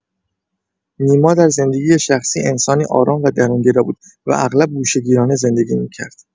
نیما در زندگی شخصی انسانی آرام و درونگرا بود و اغلب گوشه‌گیرانه زندگی می‌کرد.